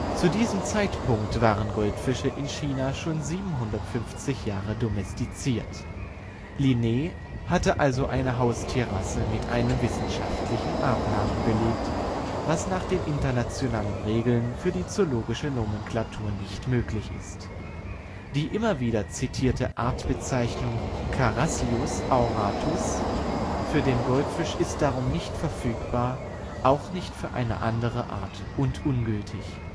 Zu diesem Zeitpunkt waren Goldfische in China schon 750 Jahre domestiziert. Linné hatte also eine Haustierrasse mit einem wissenschaftlichen Artnamen belegt, was nach den internationalen Regeln für die zoologische Nomenklatur nicht möglich ist. Die immer wieder zitierte Artbezeichnung Carassius auratus für den Goldfisch ist darum nicht verfügbar, auch nicht für eine andere Art, und ungültig